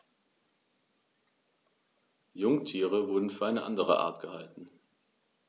Jungtiere wurden für eine andere Art gehalten.